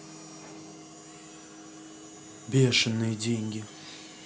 бешеные деньги